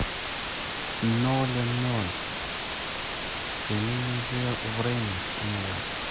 ноль ноль семь не время умирать